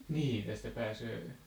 niin tästä pääsee